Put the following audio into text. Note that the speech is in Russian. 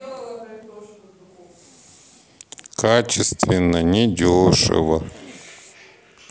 качественно недешево